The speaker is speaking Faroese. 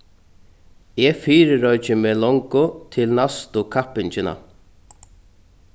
eg fyrireiki meg longu til næstu kappingina